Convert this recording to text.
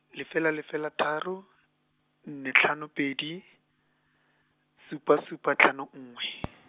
lefela lefela tharo, nne tlhano pedi, supa supa tlhano nngwe .